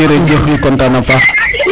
jerejef i content na a paax